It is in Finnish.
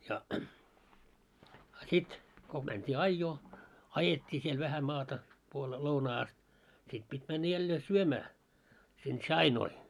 - sitten kun mentiin ajoon ajettiin siellä vähän maata puoleen lounaan asti sitten piti mennä jälleen syömään sinne tsainoi